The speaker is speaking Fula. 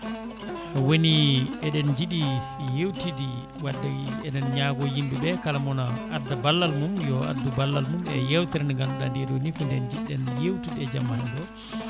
woni eɗen jiiɗi yewtude wadde eɗen ñaago yimɓeɓe kala moona adda ballal mum yo addu ballal mum e yewtere nde ganduɗa nde ɗo ni ko nde jiɗɗen yewtude e jamma hande o